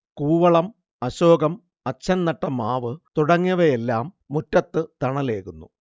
കൂവളം, അശോകം, അച്ഛൻ നട്ട മാവ് തുടങ്ങിയവയെല്ലാം മുറ്റത്ത് തണലേകുന്നു